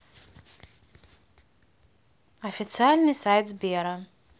официальный сайт сбера